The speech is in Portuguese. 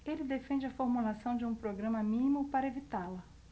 ele defende a formulação de um programa mínimo para evitá-la